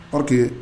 O tɛ